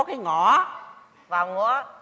cái ngõ vào ngõ